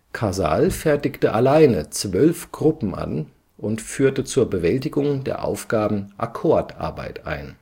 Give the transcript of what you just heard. Casal fertigte alleine zwölf Gruppen an und führte zur Bewältigung der Aufgaben Akkordarbeit ein